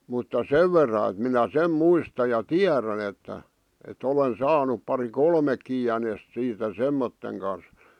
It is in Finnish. mutta sen verran että minä sen muistan ja tiedän että että olen saanut pari kolmekin jänistä siitä semmoisen kanssa